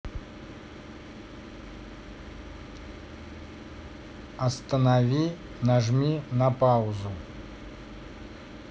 останови нажми на паузу